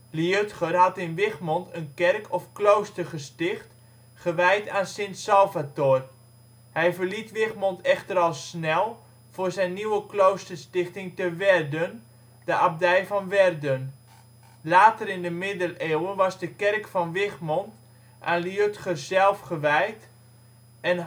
Liudger had in Wichmond een kerk of klooster gesticht gewijd aan Sint-Salvator. Hij verliet Wichmond echter al snel voor zijn nieuwe kloosterstichting te Werden, de abdij van Werden. Later in de middeleeuwen was de kerk van Wichmond aan Liudger zelf gewijd en